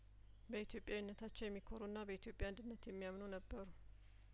በኢትዮጵያዊነታቸው የሚኮሩና በኢትዮጵያ አንድነት የሚያምኑ ነበሩ